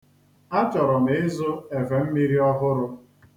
A chọrọ m ịzụ efemmiri ọhụrụ.